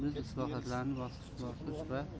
biz islohotlarni bosqichma bosqich va